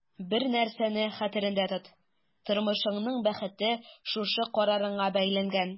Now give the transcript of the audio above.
Бер нәрсәне хәтерендә тот: тормышыңның бәхете шушы карарыңа бәйләнгән.